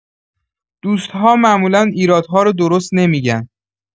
دوست‌ها معمولا ایرادها رو درست نمی‌گن.